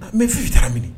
An n bɛ f i taara minɛ